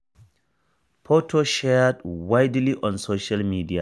Photo shared widely on social media.